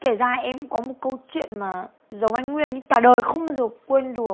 kể ra em có một câu chuyện mà giống anh nguyên ý cả đời không bao giờ quên được